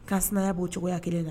Kansinaya b'o cogoya 1 na.